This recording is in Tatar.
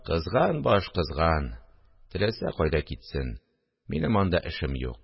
Кызган баш кызган: – Теләсә кайда китсен, минем анда эшем юк